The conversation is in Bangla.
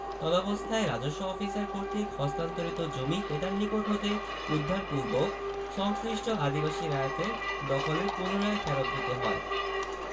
তদবস্থায় রাজস্ব অফিসার কর্তৃক হস্তান্তরিত জমি ক্রেতার নিকট হতে উদ্ধারপূর্বক সংশ্লিষ্ট আদিবাসী রায়তের দখলে পুনরায় ফেরৎ দিতে হয়